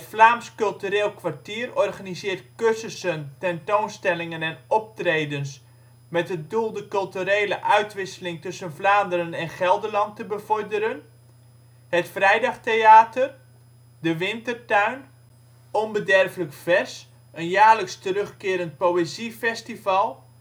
Vlaams Cultureel Kwartier organiseert cursussen, tentoonstellingen en optredens met het doel de culturele uitwisseling tussen Vlaanderen en Gelderland te bevorderen Het Vrijdagtheater De Wintertuin Onbederf'lijk Vers, jaarlijks terugkerend poëziefestival